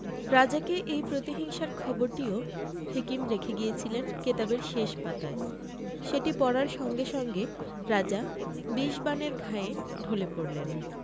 রাজাকে এই প্রতিহিংসার খবরটিও হেকিম রেখে গিয়েছিলেন কেতাবের শেষ পাতায় সেটি পড়ার সঙ্গে সঙ্গে রাজা বিষবাণের ঘায়ে ঢলে পড়লেন